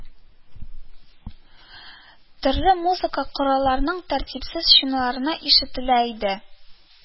Төрле музыка коралларының тәртипсез чинаулары ишетелә иде